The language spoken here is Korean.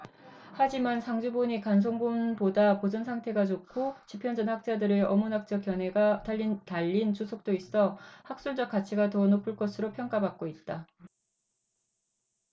하지만 상주본이 간송본보다 보존 상태가 좋고 집현전 학자들의 어문학적 견해가 달린 주석도 있어 학술적 가치가 더 높을 것으로 평가받고 있다